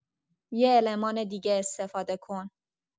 یه المان دیگه استفاده کن